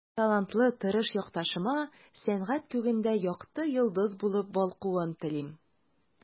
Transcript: Талантлы, тырыш якташыма сәнгать күгендә якты йолдыз булып балкуын телим.